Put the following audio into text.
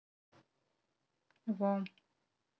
во